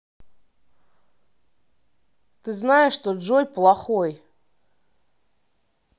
ты знаешь что джой плохой